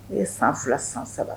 U ye san fila san saba